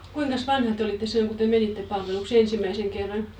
kuinkas vanha te olitte silloin kun te menitte palvelukseen ensimmäisen kerran